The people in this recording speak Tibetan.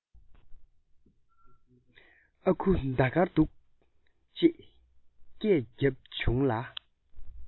ཨ ཁུ ཟླ དཀར འདུག ཅེས སྐད རྒྱབ བྱུང ལ